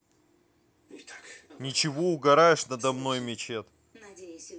ничего угораешь надо мной мечет